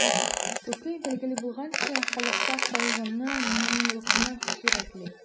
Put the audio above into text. Күке, билгеле булганча, халыкта кайгыны, моңлылыкны сурәтли.